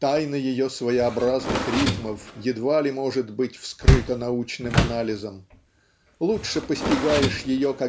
Тайна ее своеобразных ритмов едва ли может быть вскрыта научным анализом лучше постигаешь ее